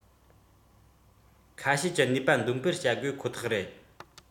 ཁ ཤས ཀྱི ནུས པ འདོན སྤེལ བྱ དགོས ཁོ ཐག རེད